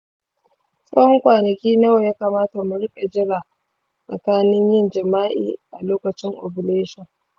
tsawon kwanaki nawa ya kamata mu rika jira tsakanin yin jima’i a lokacin ovulation?